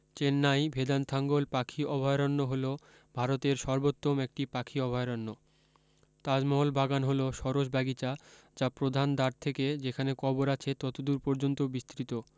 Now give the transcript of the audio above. চেন্নাই ভেদানথাঙ্গল পাখি অভয়ারন্য হল ভারতের সর্বোত্তম একটি পাখি অভয়ারন্য তাজমহল বাগান হল সরস বাগিচা যা প্রধান দ্বার থেকে যেখানে কবর আছে ততদূর পর্যন্ত বিস্তৃত